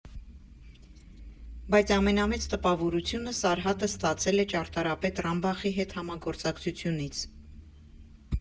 Բայց ամենամեծ տպավորությունը Սարհատը ստացել է ճարտարապետ Ռամբախի հետ համագործակցությունից։